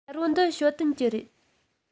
དཀར པོ འདི ཞའོ ཏོན གྱི རེད